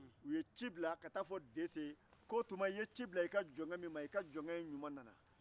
u ye ci bila ka t'a fɔ dese ko a ye ci bila a ka jɔnke min ma ko jɔnkɛ nana